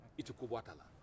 i tɛ ko bɔ a ta la